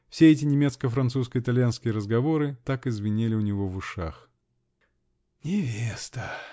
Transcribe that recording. Все эти немецко-французско-итальянские разговоры так и звенели у него в ушах. -- Невеста!